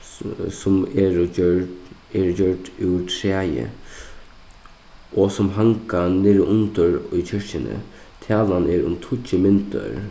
sum eru gjørd eru gjørd úr træi og sum hanga niðriundir í kirkjuni talan er um tíggju myndir